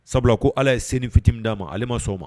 Sabula ko ala ye sen fiti min da ma ale ma sɔn ma